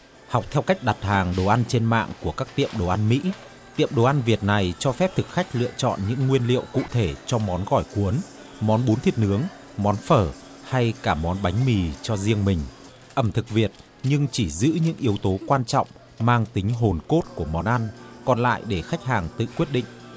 học theo cách đặt hàng đồ ăn trên mạng của các tiệm đồ ăn mỹ tiệm đồ ăn việt này cho phép thực khách lựa chọn những nguyên liệu cụ thể cho món gỏi cuốn món bún thịt nướng món phở hay cả món bánh mì cho riêng mình ẩm thực việt nhưng chỉ giữ những yếu tố quan trọng mang tính hồn cốt của món ăn còn lại để khách hàng tự quyết định